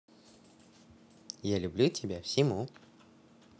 я люблю тебя всему